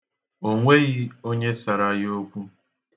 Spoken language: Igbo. O nweghị onye sara ya okwu.